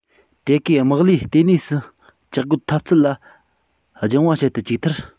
དེ གའི དམག ལས ལྟེ གནས སུ ཇག རྒོལ འཐབ རྩལ ལ སྦྱངས པ བྱེད དུ བཅུག མཐར